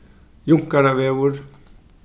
junkaravegur